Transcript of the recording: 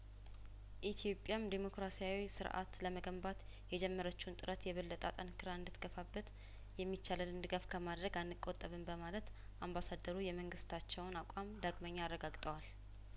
ኢትዮጵያም ዴሞክራሲያዊ ስርአት ለመገንባት የጀመረችውን ጥረት የበለጠ አጠንክራ እንድትገፋበት የሚቻለንን ድጋፍ ከማድረግ አንቆጠብም በማለት አምባሳደሩ የመንግስታቸውን አቋም ዳግመኛ አረጋ ግጠዋል